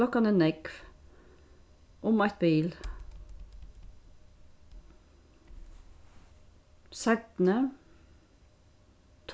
klokkan er nógv um eitt bil seinni